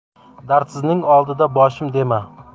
dardsizning oldida boshim dema